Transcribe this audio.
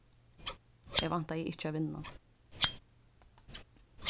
eg væntaði ikki at vinna